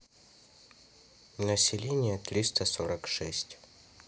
население триста сорок шесть